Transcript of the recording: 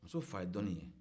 musa fa ye jɔnni ye